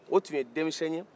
o tun ye denmisɛn ye